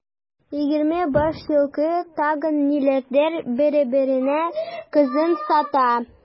Егерме баш елкы, тагын ниләрдер бәрабәренә кызын сата.